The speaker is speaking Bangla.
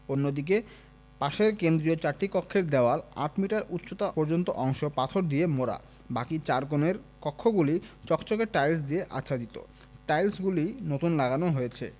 অন্যদিকে পাশের কেন্দ্রীয় চারটি কক্ষের দেওয়াল আট মিটার উচ্চতা পর্যন্ত অংশ পাথর দিয়ে মোড়া বাকি চার কোণের কক্ষগুলি চকচকে টাইলস দিয়ে আচ্ছাদিত টাইলসগুলি নতুন লাগানো হয়েছে